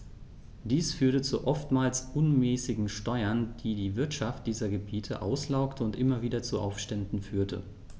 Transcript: Dies führte zu oftmals unmäßigen Steuern, die die Wirtschaft dieser Gebiete auslaugte und immer wieder zu Aufständen führte.